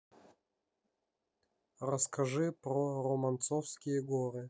расскажи про романцовские горы